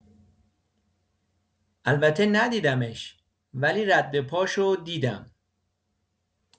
البته ندیدمش ولی رد پاشو دیدم!